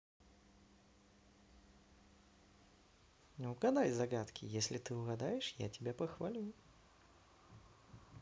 угадай загадки если ты это угадаешь я тебя похвалю